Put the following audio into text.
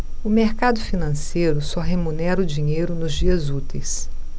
o mercado financeiro só remunera o dinheiro nos dias úteis